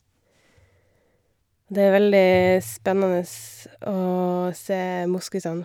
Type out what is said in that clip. Det er veldig spennende å se moskusene.